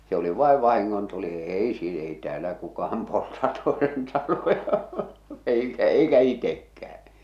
se oli vain vahingontuli ei - ei täällä kukaan polta toisen taloja eikä eikä itsekään